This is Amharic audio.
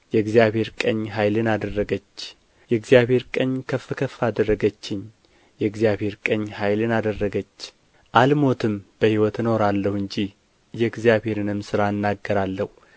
የእግዚአብሔር ቀኝ ከፍ ከፍ አደረገችኝ የእግዚአብሔር ቀኝ ኃይልን አደረገች አልሞትም በሕይወት እኖራለሁ እንጂ የእግዚአብሔርንም ሥራ እናገራለሁ